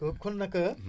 kon nag